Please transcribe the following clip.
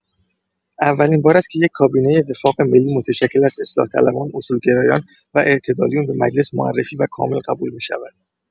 اولین بار است که یک کابینه «وفاق ملی» متشکل از اصلاح‌طلبان، اصولگرایان و اعتدالیون به مجلس معرفی و کامل قبول می‌شود.